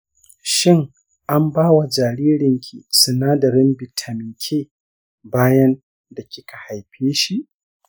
shin an bawa jaririnki sinadarin vitamin k bayan da kika haifeshi?